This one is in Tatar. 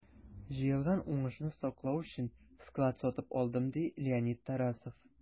Җыелган уңышны саклау өчен склад сатып алдым, - ди Леонид Тарасов.